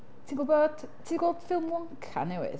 Ti'n gwybod, ti 'di gweld ffilm Wonka newydd?